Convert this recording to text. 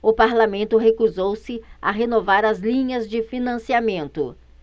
o parlamento recusou-se a renovar as linhas de financiamento